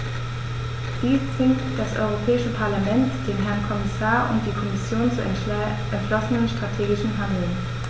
Dies zwingt das Europäische Parlament, den Herrn Kommissar und die Kommission zu entschlossenem strategischen Handeln.